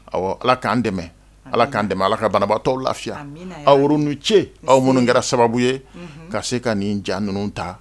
Awɔ, allah k'an dɛmɛ, amina alɔlah k'an dɛmɛ allah k'a banabagatɔw lafiya, amin, aw yɛruw ni ce aw minnu kɛra sababu ye, unhun, ka se ka jan ninnu ta!